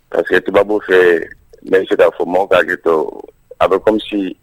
Kafe tu fɛ n bɛ se'a fɔ maaw k'a jateto a bɛ comi